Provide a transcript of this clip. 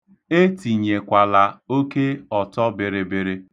Etinyekwala oke ọtọbịrịbịrị.